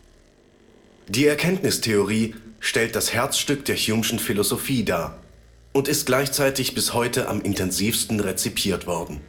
Die Erkenntnistheorie stellt das Herzstück der Hume'schen Philosophie dar und ist gleichzeitig bis heute am intensivsten rezipiert worden